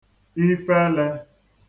ifelē